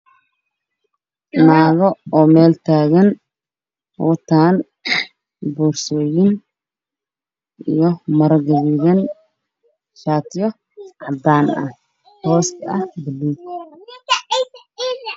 Waa naago meel taagan oo dhar cadaan ah wato